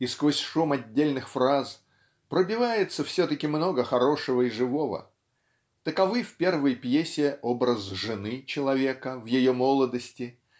и сквозь шум отдельных фраз пробивается все-таки много хорошего и живого. Таковы в первой пьесе образ жены Человека в ее молодости